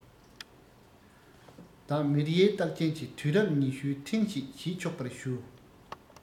བདག མེལ ཡའི རྟགས ཅན གྱི དུས རབས ཉི ཤུའི ཐེངས ཤིག བྱེད ཆོག པར ཞུ